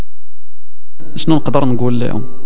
نقدر نقول لا